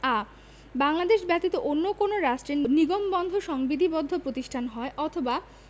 আ বাংলাদেশ ব্যতীত অন্য কোন রাষ্ট্রে নিগমবন্ধ সংবিধিবদ্ধ প্রতিষ্ঠান হয় অথবা